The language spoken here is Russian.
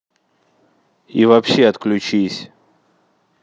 и вообще отключись